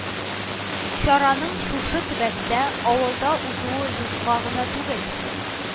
Чараның шушы төбәктә, авылда узуы юкка гына түгел